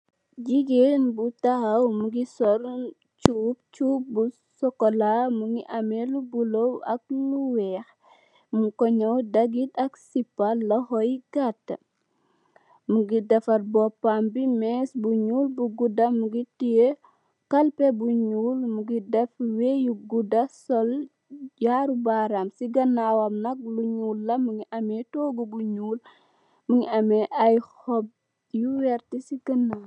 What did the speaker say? Jigen bu taxaw mugi sol chob bu socola mugi ame lu bula ak lu wex mong ko njawe dagit ak sipa loho bu gata mugi defar bopambi bi mess bu njul bu guda mugi teya kalpe bu njul mungi sol jarou baram am wee yu guda ci ganawam nak lu njul la mugi ame togu bu njul mungi ame lu wert ci ganaw